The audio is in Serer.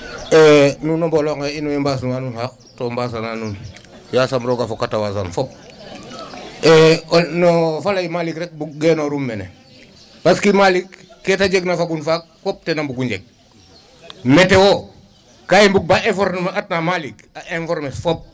Nuun o mbolo nqe in mboy mbaasnuwa nuun xaq to mbaasana nuun yaasam roog a fokat a waasan fop no fa lay Malick rek geenoorum mene parce que Malick ke ta jegna fagun faak fop ten a mbugu njeg météo ka i mbug ba informer atna a Malick a informer fop.